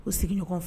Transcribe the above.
O sigi ɲɔgɔn f